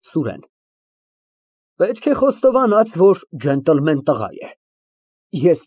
ՍՈՒՐԵՆ ֊ Պետք է խոստովանեմ, որ ջենտլմեն տղա է։